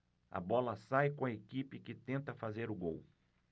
a bola sai com a equipe que tenta fazer o gol